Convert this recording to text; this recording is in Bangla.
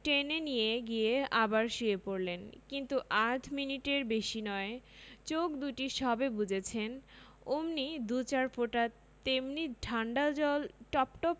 টেনে নিয়ে গিয়ে আবার শুয়ে পড়লেন কিন্তু আধ মিনিটের বেশি নয় চোখ দুটি সবে বুজেছেন অমনি দু চার ফোঁটা তেমনি ঠাণ্ডা জল টপটপ